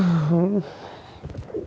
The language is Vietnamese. ừ